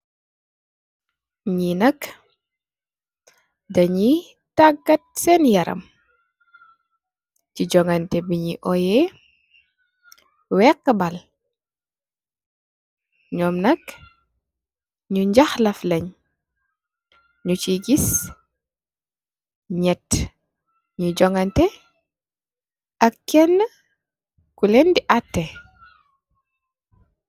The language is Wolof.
Ñii nak, dañyooy taggat seen yaram, si jongante bi ñuy woowe, wëëxë bal. Ñom nak, ñu ñjaxlaf lañge Ñu ciy gis ñattë ñuy jongante ak keenë ku leen di atté.